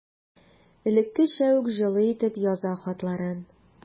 Элеккечә үк җылы итеп яза хатларын.